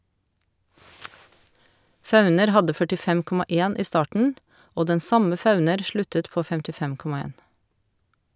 Fauner hadde 45,1 i starten, og den samme Fauner sluttet på 55,1.